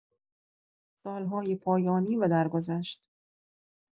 سال‌های پایانی و درگذشت